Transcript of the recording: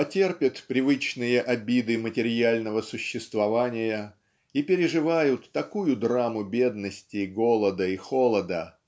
а терпят привычные обиды материального существования и переживают такую драму бедности голода и холода